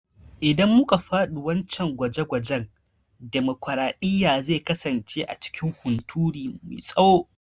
Idan muka fadi wadancan gwajegwajen, dimokuradiyya zai kasance a cikin hunturu mai tsawo.